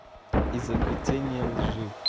изобретение лжи